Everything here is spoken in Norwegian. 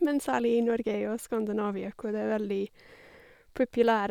Men særlig i Norge og Skandinavia, hvor det er veldig populær.